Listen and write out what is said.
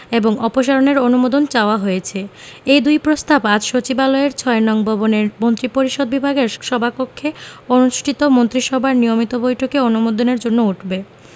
এবং অপসারণের অনুমোদন চাওয়া হয়েছে এ দুই প্রস্তাব আজ সচিবালয়ের ৬ নং ভবনের মন্ত্রিপরিষদ বিভাগের সভাকক্ষে অনুষ্ঠিত মন্ত্রিসভার নিয়মিত বৈঠকে অনুমোদনের জন্য উঠবে